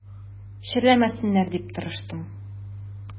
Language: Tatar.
Чирләмәсеннәр дип тырыштым.